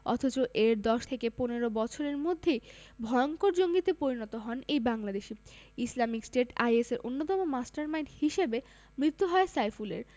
অথচ এর ১০ থেকে ১৫ বছরের মধ্যেই ভয়ংকর জঙ্গিতে পরিণত হন এই বাংলাদেশি ইসলামিক স্টেট আইএস এর অন্যতম মাস্টারমাইন্ড হিসেবে মৃত্যু হয় সাইফুলের